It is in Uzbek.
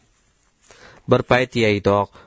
bir payt yaydoq